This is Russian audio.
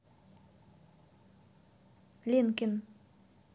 linkin